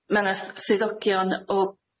ma' 'na s- swyddogion o